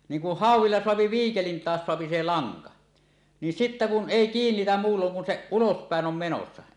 niin kun hauella saa viikelin taas saa se lanka niin sitten kun ei kiinnitä muulloin kun se ulospäin on menossa